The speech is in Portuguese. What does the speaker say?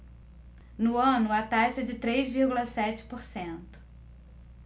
no ano a taxa é de três vírgula sete por cento